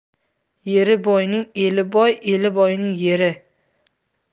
yeri boyning eli boy eli boyning yeri